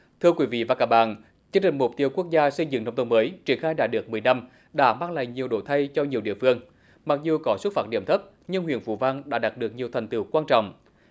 thưa quý vị và các bạn chương trình mục tiêu quốc gia xây dựng nông thôn mới triển khai đã được mười năm đã mang lại nhiều đổi thay cho nhiều địa phương mặc dù có xuất phát điểm thấp nhưng huyện phú vang đã đạt được nhiều thành tựu quan trọng